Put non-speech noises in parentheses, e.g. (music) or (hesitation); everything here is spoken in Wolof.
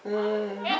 (hesitation) (hesitation) (crosstalk)